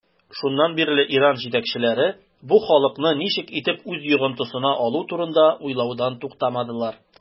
Шуннан бирле Иран җитәкчеләре бу халыкны ничек итеп үз йогынтысына алу турында уйлаудан туктамадылар.